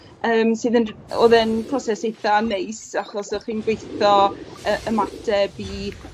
Yym sydd yn r- odd e'n proses eitha neis achos o'ch chi'n gweitho yy ymateb i